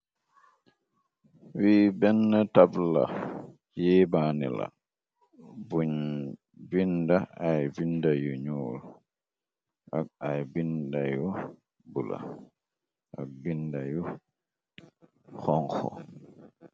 wii benn tabla yi banni la bun binda ay binda yu nool ak ay binda yu bula ak binda yu xonxo